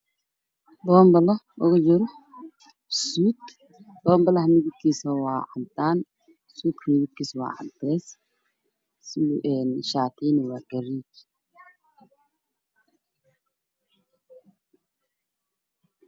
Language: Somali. Boonbale oo ku jira suud, boonbalaha midabkiisuna waa cadaan ,suudka midabkiisa waa cadeys shaatigana waa gaduud